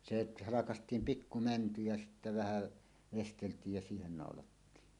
se halkaistiin pikku mänty ja sitten vähän veisteltiin ja siihen naulattiin